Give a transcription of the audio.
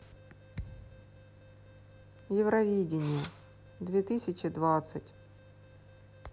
евровидение две тысячи двадцать